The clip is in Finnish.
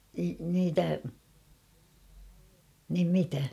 niitä niin mitä